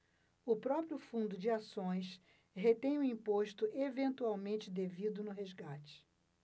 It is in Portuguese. o próprio fundo de ações retém o imposto eventualmente devido no resgate